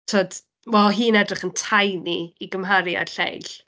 Tibod, wel oedd hi'n edrych yn tiny i gymharu â'r lleill.